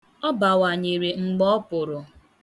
Ọ bawanyere mgbe ọ pụrụ.